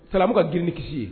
Sarama ka g ni kisi ye